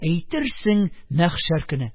Әйтерсең, мәхшәр көне!